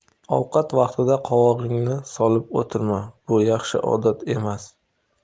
ovqat vaqtida qovog'ingni solib o'tirma bu yaxshi odat emas